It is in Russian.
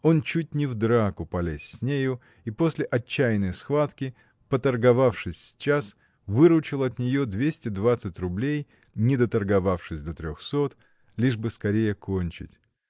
Он чуть не в драку полез с нею и после отчаянной схватки, поторговавшись с час, выручил от нее двести двадцать рублей, не доторговавшись до трехсот, лишь бы скорее кончить.